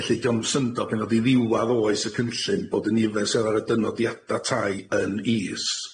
Felly dio'm syndod gan ddod i ddiwadd oes y cynllun bod y nifer sydd ar y dynodiada tai yn is.